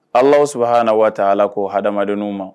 Ala aw sɔrɔ h na waati ala ko ha adamadamaden ma